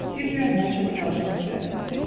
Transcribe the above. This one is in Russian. Сильвио молча продолжал метать.